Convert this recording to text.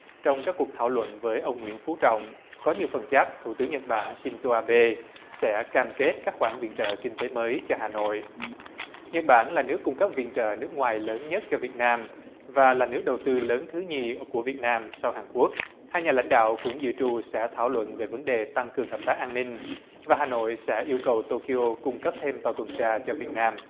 trong các cuộc thảo luận với ông nguyễn phú trọng có nhiều phần chắc thủ tướng nhật bản sin dô a bê sẽ cam kết các khoản viện trợ kinh tế mới cho hà nội nhật bản là nước cung cấp viện trợ nước ngoài lớn nhất cho việt nam và là nước đầu tư lớn thứ nhì của việt nam sau hàn quốc hai nhà lãnh đạo cũng dự trù sẽ thảo luận về vấn đề tăng cường hợp tác an ninh và hà nội sẽ yêu cầu tô ki ô cung cấp thêm tàu tuần tra cho việt nam